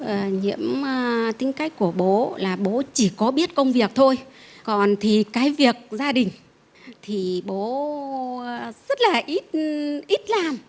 à nhiễm a tính cách của bố là bố chỉ có biết công việc thôi còn thì cái việc gia đình thì bố a rất là ít ít làm